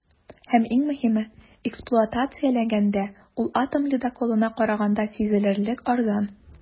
Һәм, иң мөһиме, эксплуатацияләгәндә ул атом ледоколына караганда сизелерлек арзан.